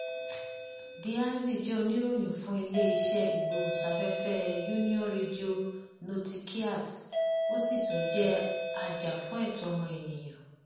[Díaz] jẹ́ oníròyìn fún ilé iṣẹ́ ìgbóhùnsáfẹ́fẹ́ Unión Radio Noticias , ó sì tún jẹ́ ajàfúnẹ̀tọ́ ọmọnìyàn.